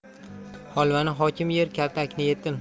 holvani hokim yer kaltakni yetim